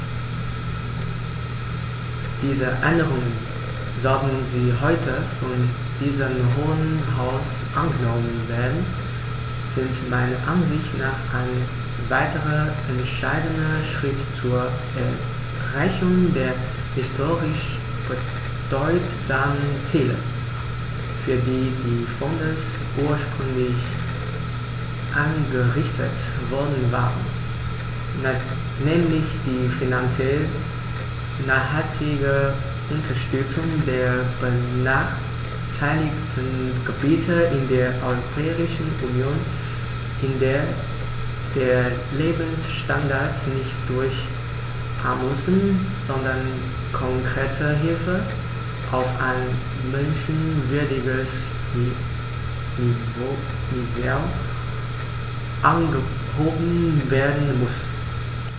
Diese Änderungen, sollten sie heute von diesem Hohen Haus angenommen werden, sind meiner Ansicht nach ein weiterer entscheidender Schritt zur Erreichung der historisch bedeutsamen Ziele, für die die Fonds ursprünglich eingerichtet worden waren, nämlich die finanziell nachhaltige Unterstützung der benachteiligten Gebiete in der Europäischen Union, in der der Lebensstandard nicht durch Almosen, sondern konkrete Hilfe auf ein menschenwürdiges Niveau angehoben werden muss.